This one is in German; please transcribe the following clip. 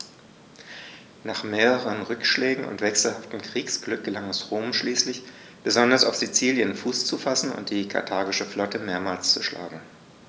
Nach mehreren Rückschlägen und wechselhaftem Kriegsglück gelang es Rom schließlich, besonders auf Sizilien Fuß zu fassen und die karthagische Flotte mehrmals zu schlagen.